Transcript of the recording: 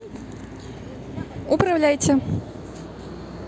управляйте